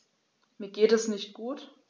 Mir geht es nicht gut.